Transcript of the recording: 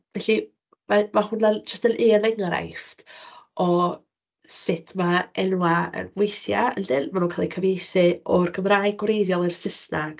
Felly mae ma' hwnna jyst yn un enghraifft o sut ma' enwau weithia... yndyn, ma' nhw'n cael eu cyfieithu o'r Gymraeg gwreiddiol i'r Saesneg